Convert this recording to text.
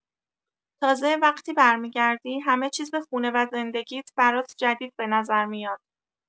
تازه، وقتی برمی‌گردی، همه چیز خونه و زندگیت برات جدید به نظر میاد.